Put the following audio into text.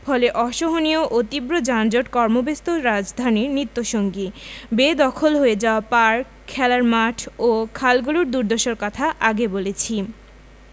ফলে অসহনীয় ও তীব্র যানজট কর্মব্যস্ত রাজধানীর নিত্যসঙ্গী বেদখল হয়ে যাওয়া পার্ক খেলার মাঠ ও খালগুলোর দুর্দশার কথা আগে বলেছি